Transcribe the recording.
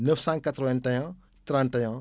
981 31